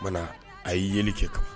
O mana a y' yeli cɛ kan